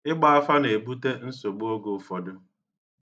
Ịgba afa na-ebute nsogbu oge ụfọdụ.